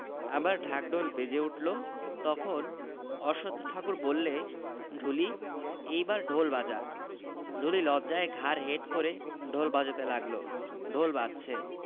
আবার ঢাক ঢোল বেজে উঠল তখন অশ্বথ ঠাকুর বললে ঢুলি এইবার ঢোল বাজা ঢুলি লজ্জায় ঘাড় হেট করে ঢোল বাজাতে লাগলঢোল বাজছে